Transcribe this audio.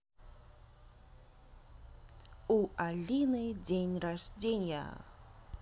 у алины день рождения